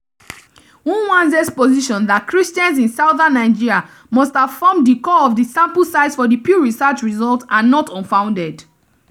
Nwanze's position that Christians in southern Nigeria must have formed the core of the sample size for the Pew Research results are not unfounded.